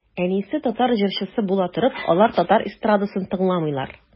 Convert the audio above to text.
Әнисе татар җырчысы була торып, алар татар эстрадасын тыңламыйлар.